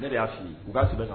Ne de y'a fili u'a sɛbɛn kan